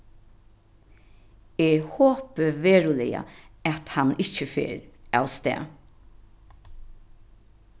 eg hopi veruliga at hann ikki fer avstað